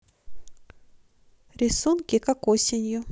рисунки как осенью